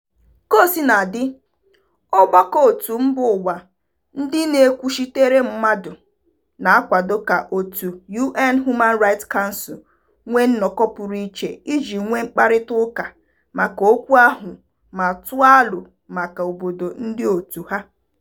Kaosinadị, ọgbakọ òtù mbaụwa ndị na-ekwuchitere mmadụ, na-akwado ka òtù UN Human Rights Council nwee nnọkọ pụrụ iche iji nwee mkparịtaụka maka okwu ahụ ma tụọ alo maka obodo ndịòtù ha.